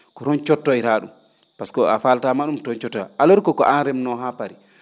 ko roon coottoyraa ?um pasque o faaltaama ?um toon coottoyraa ha alors que ko aan remnoo haa pari